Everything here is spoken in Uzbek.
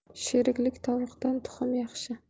sheriklik tovuqdan tuxum yaxshi